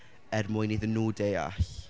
er mwyn iddyn nhw deall.